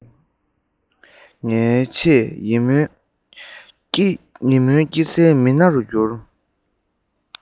ངའི ཆེས ཡིད སྨོན སྐྱེ སའི མི སྣ རུ གྱུར